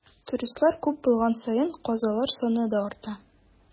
Туристлар күп булган саен, казалар саны да арта.